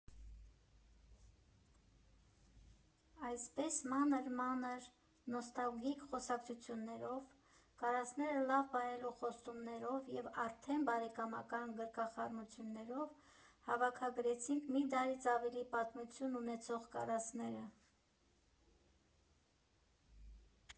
Այսպես մանր֊մանր, նոստալգիկ խոսակցություններով, կարասները լավ պահելու խոստումներով և արդեն բարեկամական գրկախառնություններով հավաքագրեցինք մի դարից ավել պատմություն ունեցող կարասները։